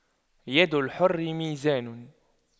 يد الحر ميزان